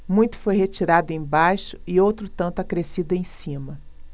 muito foi retirado embaixo e outro tanto acrescido em cima